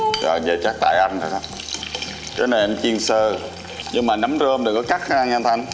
rồi vậy chắc tại anh rồi đó cái này anh chiên sơ nhưng mà nấm rơm đừng có cắt ra nha thanh